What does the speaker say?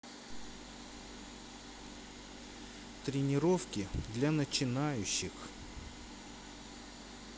тренировки для начинающих